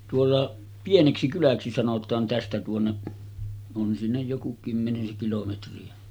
tuolla Pieneksikyläksi sanotaan tästä tuonne on sinne joku kymmenisen kilometriä